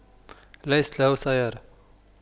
ليست له سيارة